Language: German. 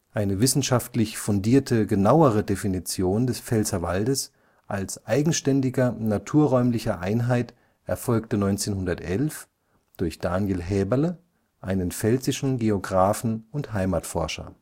Eine wissenschaftlich fundierte genauere Definition des Pfälzerwaldes als eigenständiger naturräumlicher Einheit erfolgte 1911 durch Daniel Häberle, einen pfälzischen Geographen und Heimatforscher